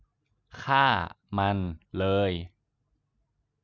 ฆ่ามันเลย